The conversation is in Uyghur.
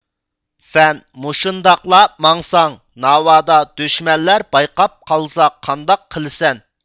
سەن مۇشۇنداقلا ماڭساڭ ناۋادا دۈشمەنلەر بايقاپ قالسا قانداق قىلىسەن